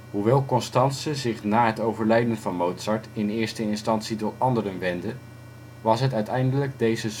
Hoewel Constanze zich na het overlijden van Mozart in eerste instantie tot anderen wendde, was het uiteindelijk deze